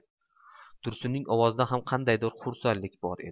tursunning ovozida ham qandaydir xursandlik bor edi